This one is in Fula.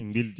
bildi